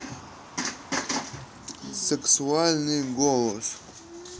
сексуальный голос